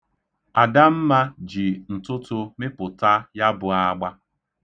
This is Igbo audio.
Adamma ji ntụtụ mịpụta ya bụ agba.